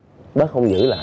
bớt hung dữ lại